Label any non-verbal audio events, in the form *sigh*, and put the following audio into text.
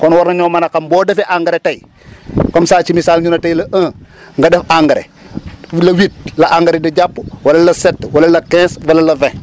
kon war nañoo mën a xam boo defee engrais tey *breath* comme ça ci misaal ñu ne tey la 1 *breath* nga def engrais *breath* le 8 la engrais di jàpp wala le 7 wala le 15 wala le 20